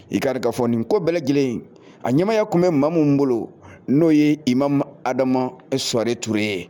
I ka kunnafoni ko bɛɛlɛ lajɛlen a ɲamamaya tun bɛ ma minnu bolo n'o ye i ma ha adama e sɔwareure ye